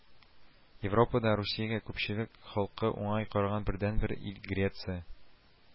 Европада Русиягә күпчелек халкы уңай караган бердәнбер ил Греция